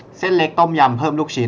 เส้นเล็กต้มยำเพิ่มลูกชิ้น